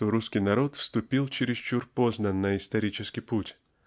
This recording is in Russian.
что русский народ вступил чересчур поздно на исторический путь